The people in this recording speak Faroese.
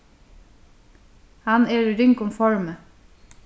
hann er í ringum formi